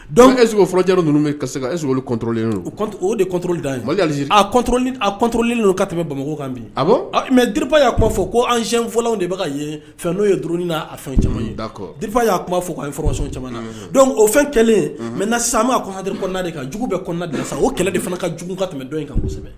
Dɔnku e fɔlɔ ninnu bɛ se elen o deli alili alilen don ka tɛmɛ bamakɔ kan bi mɛ di y'a kuma fɔ ko anɛn fɔlɔ de ye fɛn n'o ye duin a fɛn caman ye y'a kuma fɔ' fɔsɔn caman na o fɛn kɛlen mɛ na sa ma kɔnd de ka jugu bɛɛ kɔnɔnanad o kɛlɛ de fana ka jugu ka tɛmɛ dɔn in kasɛbɛ